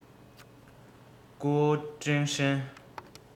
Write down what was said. ལིང ཅི ཧྭ